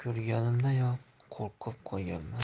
ko'rganimdayoq qo'rqib qolganman